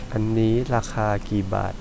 อันนี้ราคากี่บาท